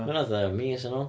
Ma' hynna fatha mis yn ôl.